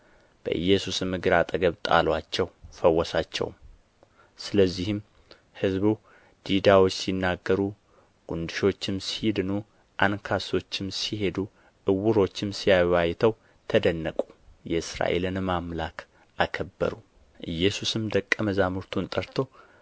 በኢየሱስም እግር አጠገብ ጣሉአቸው ፈወሳቸውም ስለዚህም ሕዝቡ ዲዳዎች ሲናገሩ ጉንድሾችም ሲድኑ አንካሶችም ሲሄዱ ዕውሮችም ሲያዩ አይተው ተደነቁ የእስራኤልንም አምላክ አከበሩ ኢየሱስም ደቀ መዛሙርቱን ጠርቶ